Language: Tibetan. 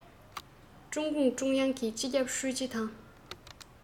ཀྲུང གུང ཀྲུང དབྱང གི སྤྱི ཁྱབ ཧྲུའུ ཅི དང